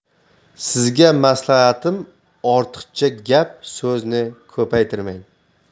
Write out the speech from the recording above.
sizga maslahatim ortiqcha gap so'zni ko'paytirmang